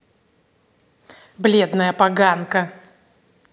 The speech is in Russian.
бледная поганка